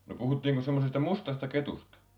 no puhuttiinkos semmoisesta mustasta ketusta